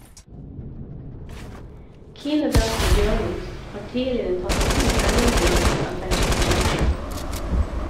Kine Beate Bjørnås har tidligere tatt to NM-gull i stafett for Varden.